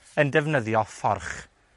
defnyddio fforch,